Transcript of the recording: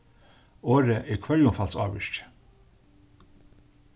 orðið er hvørjumfalsávirki